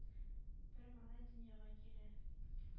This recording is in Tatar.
Бер малай дөньяга килә,